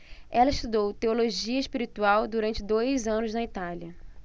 ela estudou teologia espiritual durante dois anos na itália